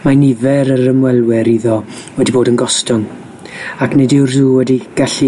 Mae nifer yr ymwelwyr iddo wedi bod yn gostwng, ac nid yw'r sw wedi gallu